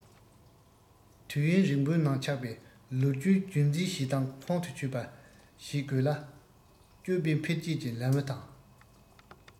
དུས ཡུན རིང པོའི ནང ཆགས པའི ལོ རྒྱུས རྒྱུན འཛིན བྱེད སྟངས ཁོང དུ ཆུད པ བྱེད དགོས ལ བསྐྱོད པའི འཕེལ རྒྱས ཀྱི ལམ བུ དང